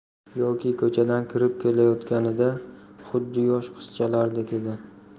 yoki ko'chadan kirib kelayotganida xuddi yosh qizchalardek edi